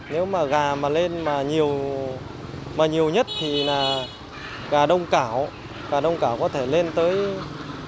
nếu mà gà mà lên mà nhiều mà nhiều nhất thì là gà đông cảo gà đông cảo có thể lên tới